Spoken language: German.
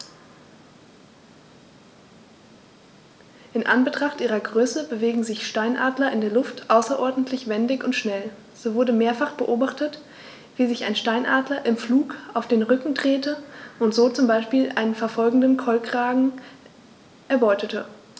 In Anbetracht ihrer Größe bewegen sich Steinadler in der Luft außerordentlich wendig und schnell, so wurde mehrfach beobachtet, wie sich ein Steinadler im Flug auf den Rücken drehte und so zum Beispiel einen verfolgenden Kolkraben erbeutete.